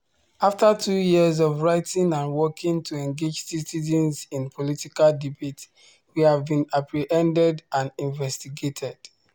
After two years of writing and working to engage citizens in political debate, we have been apprehended and investigated.